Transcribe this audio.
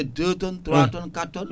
2 tonnes 3 tonnes 4 tonnes